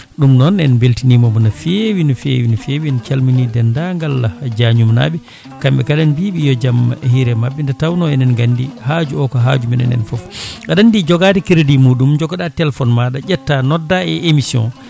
ɗum noon en beltinimomo no feewi no fewi no fewi en calmini dendagal Diagnum naaɓe kamɓe kala en mbiɓe yo jaam hiire mabɓe nde tawno enen gandi haaju o ko haaju men enen foof aɗa andi joogade crédit muɗum jogoɗa téléphone maɗa ƴetta nodda e émission